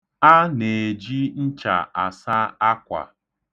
A na-eji ncha asa akwa.